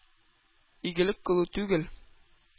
Игелек кылу түгел,